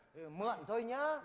mượn thôi nhá